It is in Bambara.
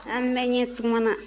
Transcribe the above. an bɛɛ ɲɛsumana